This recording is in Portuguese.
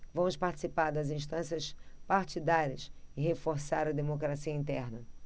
vamos participar das instâncias partidárias e reforçar a democracia interna